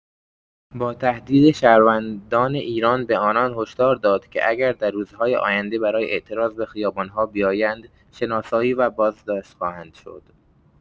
با تهدید شهروندان ایران به آنان هشدار داد که اگر در روزهای آینده برای اعتراض به خیابان‌ها بیایند، شناسایی و بازداشت خواهند شد.